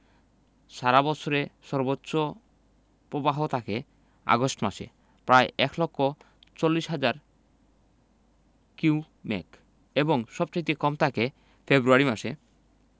সারা বৎসরের সর্বোচ্চ প্রবাহ থাকে আগস্ট মাসে প্রায় এক লক্ষ চল্লিশ হাজার কিউমেক এবং সবচাইতে কম থাকে ফেব্রুয়ারি মাসে